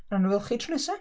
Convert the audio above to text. Nawn ni weld chi tro nesa.